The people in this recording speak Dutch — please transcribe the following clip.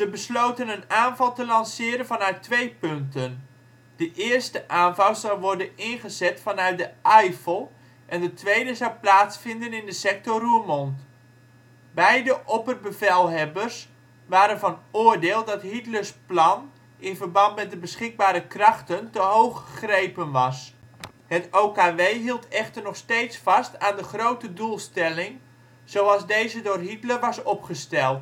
besloten een aanval te lanceren vanuit twee punten. De eerste aanval zou worden ingezet vanuit de Eifel en de tweede zou plaatsvinden in de sector Roermond. Beide opperbevelhebbers waren van oordeel dat Hitlers plan in verband met de beschikbare krachten te hoog gegrepen was. Het OKW hield echter nog steeds vast aan de grote doelstelling, zoals deze door Hitler was opgesteld. De